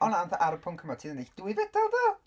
O na, fatha ar y pwnc yma ti 'di ennill dwy fedal do?